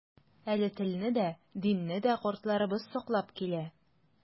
Әле телне дә, динне дә картларыбыз саклап килә.